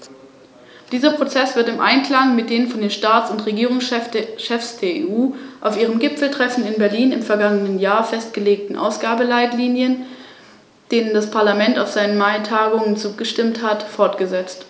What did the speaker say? Diesem Punkt wird - wieder einmal - nicht die nötige Aufmerksamkeit gewidmet: Das geht nun schon all die fünf Jahre so, die ich Mitglied des Parlaments bin, und immer wieder habe ich auf das Problem hingewiesen.